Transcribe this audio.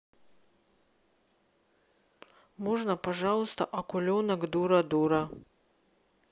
можно пожалуйста акуленок дура дура